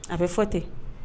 A bɛ fɔ ten